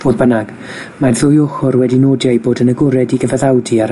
Fodd bynnag, mae'r ddwy ochor wedi nodi eu bod yn agored i gyfaddawdi ar y